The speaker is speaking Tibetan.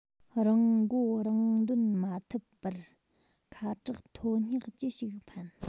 རང མགོ རང འདོན མ ཐུབ པར ཁ དྲག མཐོ སྙེག ཅི ཞིག ཕན